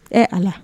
Ee Ala!